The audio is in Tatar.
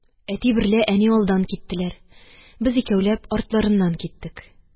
Әти берлә әни алдан киттеләр. без икәүләп артларыннан киттек.